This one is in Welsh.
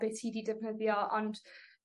...be' ti 'di defnyddio ond